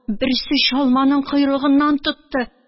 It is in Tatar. Берсе чалманың койрыгыннан тотты.